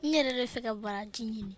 n yɛrɛ de bɛ fɛ ka baraji ɲini